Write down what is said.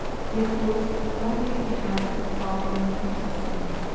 depois a conta é encerrada por falta de movimentação